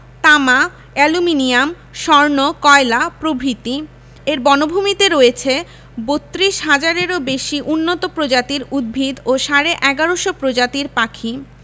তামা অ্যালুমিনিয়াম স্বর্ণ কয়লা প্রভৃতি এর বনভূমিতে রয়েছে ৩২ হাজারেরও বেশি উন্নত প্রজাতির উদ্ভিত ও সাড়ে ১১শ প্রজাতির পাখি